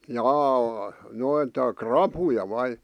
jaa noita rapuja vai